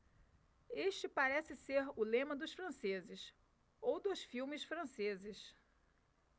este parece ser o lema dos franceses ou dos filmes franceses